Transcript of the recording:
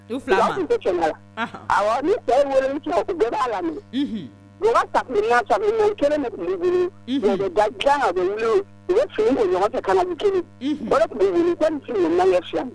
Ni b' la kelen